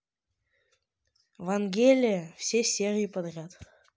вангелия все серии подряд